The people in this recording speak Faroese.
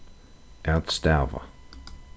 at stava